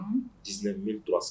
Un 19300